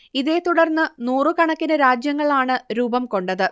ഇതെത്തുടർന്ന് നൂറുകണക്കിന് രാജ്യങ്ങളാണ് രൂപം കൊണ്ടത്